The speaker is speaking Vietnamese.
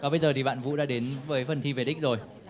và bây giờ thì bạn vũ đã đến với phần thi về đích rồi